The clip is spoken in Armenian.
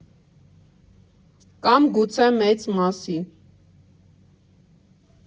Կամ գուցե մեծ մասի։